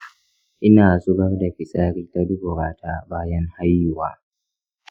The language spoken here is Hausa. ina zubar da fitsari ta duburata bayan haihuwa.